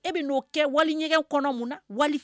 E bɛ n'o kɛ wali ɲɛgɛn kɔnɔ mun na wali